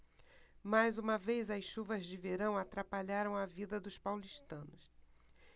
mais uma vez as chuvas de verão atrapalharam a vida dos paulistanos